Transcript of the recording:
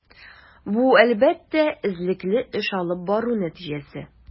Бу, әлбәттә, эзлекле эш алып бару нәтиҗәсе.